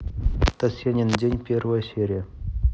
татьянин день первая серия